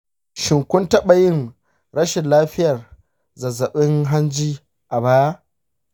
shin kun taɓa yin rashin lafiyar zazzabin hanji a baya?